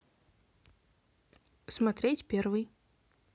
смотреть первый